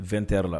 Fɛn tɛyara la